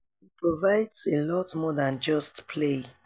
He provides a lot more than just play."